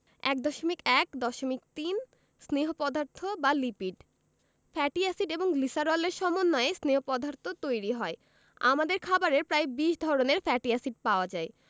১.১.৩ স্নেহ পদার্থ বা লিপিড ফ্যাটি এসিড এবং গ্লিসারলের সমন্বয়ে স্নেহ পদার্থ তৈরি হয় আমাদের খাবারে প্রায় ২০ ধরনের ফ্যাটি এসিড পাওয়া যায়